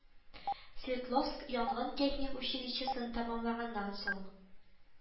Свердловск янгынтехник училищесын тәмамлаганнан соң